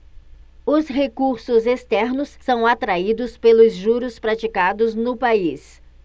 os recursos externos são atraídos pelos juros praticados no país